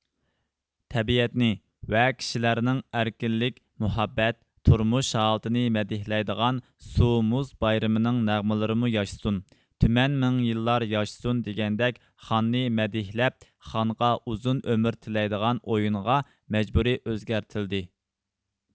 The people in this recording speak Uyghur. تەبىئەتنى ۋە كىشىلەرنىڭ ئەركىنلىك مۇھەببەت تۇرمۇش ھالىتىنى مەدھىيلەيدىغان سۇ مۇز بايرىمىنىڭ نەغمىلىرىمۇ ياشىسۇن تۈمەن مىڭ يىللار ياشىسۇن دېگەندەك خاننى مەدھىيلەپ خانغا ئۇزۇن ئۆمۈر تىلەيدىغان ئۇيۇنغا مەجبۇرى ئۆزگەرتىلدى